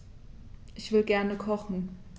Ich will gerne kochen.